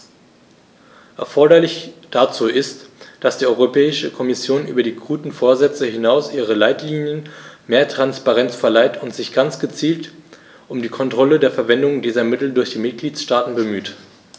Erforderlich dazu ist, dass die Europäische Kommission über die guten Vorsätze hinaus ihren Leitlinien mehr Transparenz verleiht und sich ganz gezielt um die Kontrolle der Verwendung dieser Mittel durch die Mitgliedstaaten bemüht.